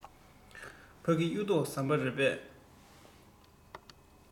ཕ གི གཡུ ཐོག ཟམ པ རེད པས